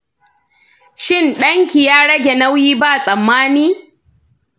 shin ɗanki ya rage nauyi ba tsammani?